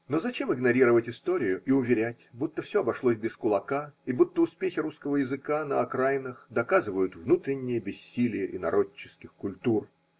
Но зачем игнорировать историю и уверять, будто все обошлось без кулака и будто успехи русского языка на окраинах доказывают внутреннее бессилие инородческих культур?